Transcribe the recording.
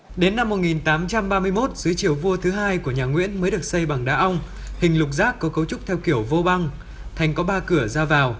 đến năm một nghìn tám trăm ba mươi mốt dưới triều vua thứ hai của nhà nguyễn mới được xây bằng đá ong hình lục giác có cấu trúc theo kiểu vô băng thành có ba cửa ra vào